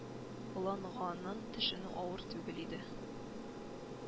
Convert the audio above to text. Ланганын төшенү авыр түгел иде